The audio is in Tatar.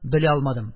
Белә алмадым.